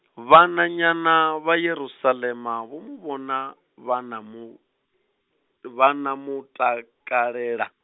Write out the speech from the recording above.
vhananyana, vha Yerusalema vho mu vhona, vha na mu-, vha na mutakalela.